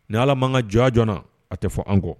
Ni allah m'an ka jɔnya jir'an na, a tɛ fɔ an kɔ.